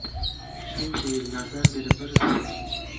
shuncha yillardan beri bir so'zini